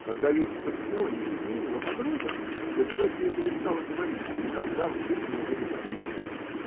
Когда ей в пансионе изменила подруга, Эдмэ с ней перестала говорить и никогда в жизни уже не помирится.